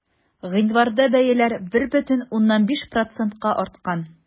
Гыйнварда бәяләр 1,5 процентка арткан.